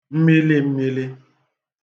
mmilimmīlī